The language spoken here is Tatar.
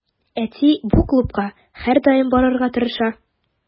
Әти бу клубка һәрдаим барырга тырыша.